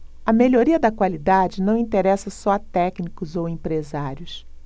a melhoria da qualidade não interessa só a técnicos ou empresários